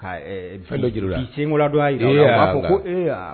Ka fɛn dɔ jira u la, senkola don ko ko e a